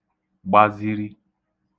gbaziri